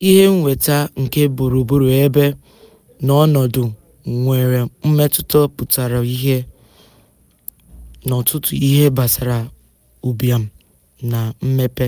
Ihe nweta nke gburugburu ebe na ọnọdụ nwere mmetụta pụtara ìhè n'ọtụtụ ihe gbasara ụbịam na mmepe.